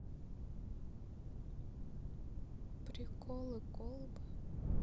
приколы колбы